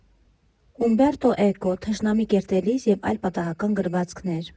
ՈՒՄԲԵՐՏՈ ԷԿՈ «ԹՇՆԱՄԻ ԿԵՐՏԵԼԻՍ ԵՎ ԱՅԼ ՊԱՏԱՀԱԿԱՆ ԳՐՎԱԾՔՆԵՐ»